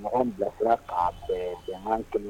Mɔgɔw bilasira kaa bɛɛn bɛŋan 1